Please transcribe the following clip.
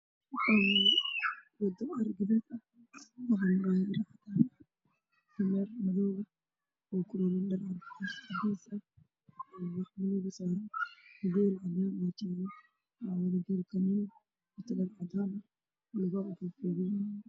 Waxaa ii muuqda dameer iyo geel dameerka waxaa saac wax cagaar ah